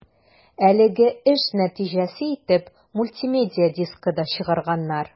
Әлеге эш нәтиҗәсе итеп мультимедия дискы да чыгарганнар.